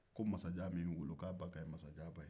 ko masajan min y'u wolo k'a ba ka ɲin masajan ba ye